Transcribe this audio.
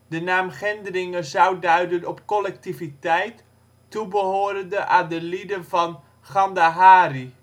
De naam Gendringen zou duiden op " collectiviteit, toebehorende aan de lieden van ' Gandahari